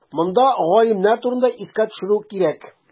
Монда галимнәр турында искә төшерү кирәк.